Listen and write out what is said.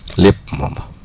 lépp mooma